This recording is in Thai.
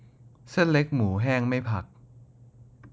เส้นเล็กหมูแห้งไม่ผัก